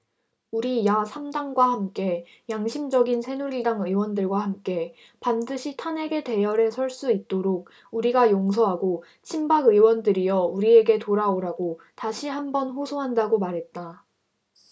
우리 야 삼 당과 함께 양심적인 새누리당 의원들과 함께 반드시 탄핵에 대열에 설 수 있도록 우리가 용서하고 친박 의원들이여 우리에게 돌아오라고 다시 한 번 호소한다고 말했다